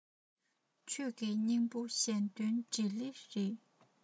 ཆོས ཀྱི སྙིང པོ གཞན དོན འགྲིག ལེ རེད